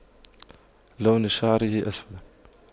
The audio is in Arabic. لون شعره أسود